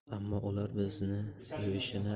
ammo ular bizni sevishini